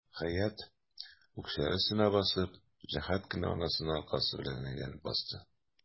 Хәят, үкчәләре өстенә басып, җәһәт кенә анасына аркасы белән әйләнеп басты.